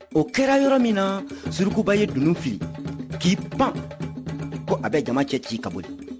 o kɛra yɔrɔ min na surukuba ye dunun fili k'i pan ko a bɛ jama cɛci ka boli